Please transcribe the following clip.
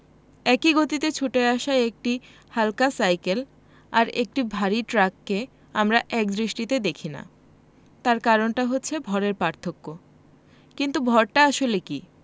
একই গতিতে ছুটে আসা একটা হালকা সাইকেল আর একটা ভারী ট্রাককে আমরা একদৃষ্টিতে দেখি না তার কারণটা হচ্ছে ভরের পার্থক্য কিন্তু ভরটা আসলে কী